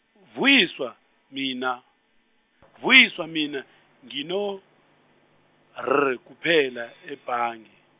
Vuyiswa mina, Vuyiswa mina ngino R kuphela ebhange.